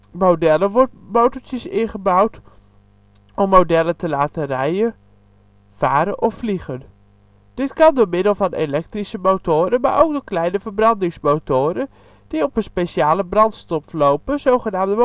modellen worden motortjes ingebouwd om het model te laten rijden, varen of vliegen. Dit kan door middel van electrische motoren, maar ook door kleine verbrandingsmotoren, die op een speciale brandstof lopen, zogenaamde